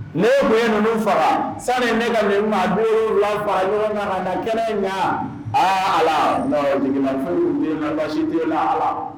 Ne bonya ninnu fara sani ne ka min maa den wula fa ɲɔgɔn kan na kɛnɛ in ɲɛ aa ala jigi bɛ den la a la